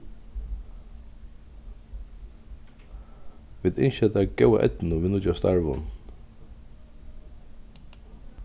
vit ynskja tær góða eydnu við nýggja starvinum